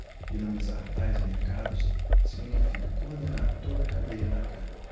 dinamizar tais mercados significa coordenar toda a cadeia da carne